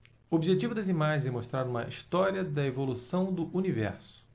o objetivo das imagens é mostrar uma história da evolução do universo